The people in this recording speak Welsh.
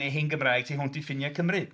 Neu hen Gymraeg tu hwnt i ffiniau Cymru.